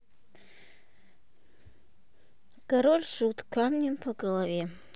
король шут камнем по голове